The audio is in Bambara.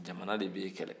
jamana de b'e kɛlɛ